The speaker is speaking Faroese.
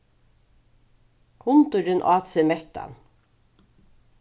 hundurin át seg mettan